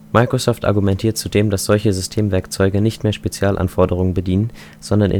Microsoft argumentiert zudem, dass solche Systemwerkzeuge nicht mehr Spezialanforderungen bedienen, sondern